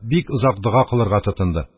Бик озак дога кылырга тотынды